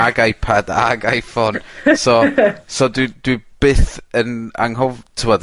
...ag iPad ag Iphone so so dwi dwi byth yn anghof- t'mod